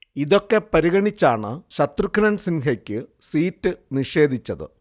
ഇതൊക്കെ പരിഗണിച്ചാണ് ശത്രുഘ്നൻ സിൻഹയ്ക്ക് സീറ്റ് നിഷേധിച്ചത്